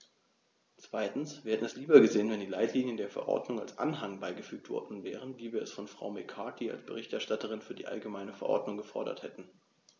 Zweitens: Wir hätten es lieber gesehen, wenn die Leitlinien der Verordnung als Anhang beigefügt worden wären, wie wir es von Frau McCarthy als Berichterstatterin für die allgemeine Verordnung gefordert hatten.